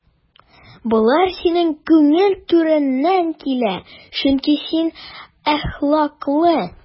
Болар синең күңел түреннән килә, чөнки син әхлаклы.